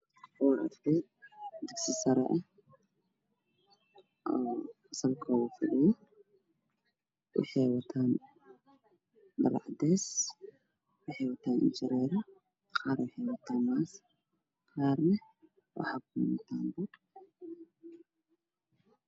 Waa arday da dugsi sare wuxuu wataa sual caddeysa iyo shaata caddeysa wuxuuna socdaa laamiga